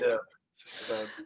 ia just about.